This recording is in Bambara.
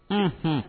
Unhun